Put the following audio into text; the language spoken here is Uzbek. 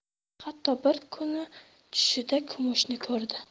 hatto bir kuni tushida kumushni ko'rdi